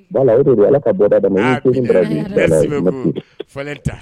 Voilà o de don Ala ka bɔda d'an ma i ni ce i ni baraji aamina amina yarabi merci beaucoup Fɔlenta